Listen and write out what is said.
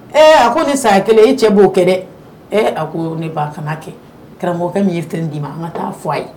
Ee a ko ne saya kelen e cɛ b'o kɛ dɛ a ko ne ba kana kɛ karamɔgɔkɛ min ye fɛn' ma an ka taa f fɔ a ye